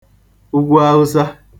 ugwuawụsa